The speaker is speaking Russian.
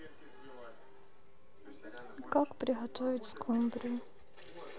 как приготовить скумбрию